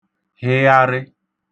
hịgharị